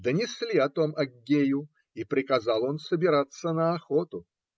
Донесли о том Аггею, и приказал он собираться на охоту.